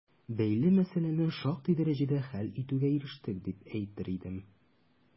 Бәйле мәсьәләне шактый дәрәҗәдә хәл итүгә ирештек, дип әйтер идем.